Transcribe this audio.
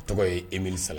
O tɔgɔ yee sa